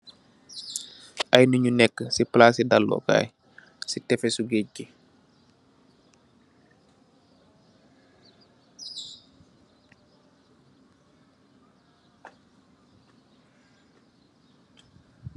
Ay nit ñu nekka ci palasu dallukai ci tefessu gaaj gi.